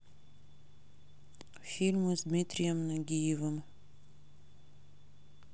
фильмы с дмитрием нагиевым